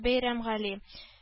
Бәйрәмгали